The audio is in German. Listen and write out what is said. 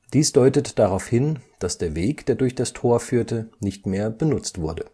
Dies deutet darauf hin, dass der Weg, der durch das Tor führte, nicht mehr benutzt wurde